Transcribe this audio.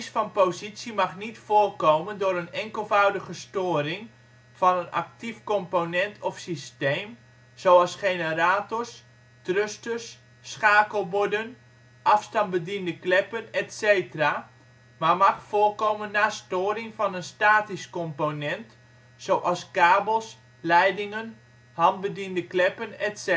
van positie mag niet voorkomen door een enkelvoudige storing van een actief component of systeem zoals generators, thrusters, schakelborden, afstandbediende kleppen etc, maar mag voorkomen na storing van een statisch component zoals kabels, leidingen, handbediende kleppen etc.